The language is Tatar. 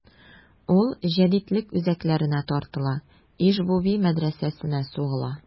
Ул җәдитлек үзәкләренә тартыла: Иж-буби мәдрәсәсенә сугыла.